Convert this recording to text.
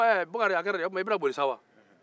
ɛɛ bakari a kɛra di bakari i bɛna boli wa